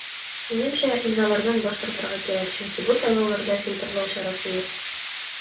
Минемчә, имзалардан баш тартырга кирәк, чөнки бу сайлауларда фильтрлау чарасы.